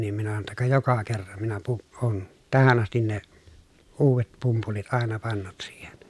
niin minä sanoin jotta ka joka kerran minä - olen tähän asti ne uudet pumpulit aina pannut siihen